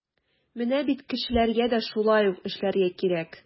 Менә бит кешеләргә дә шулай ук эшләргә кирәк.